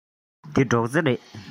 འདི སྒྲོག རྩེ རེད